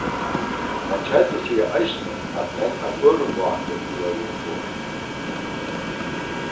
men keldur siga eisini at menn av øðrum báti vóru umborð